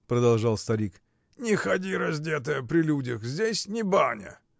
— продолжал старик, — не ходи раздетая при людях: здесь не баня!